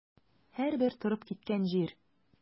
Һәрбер торып киткән җир.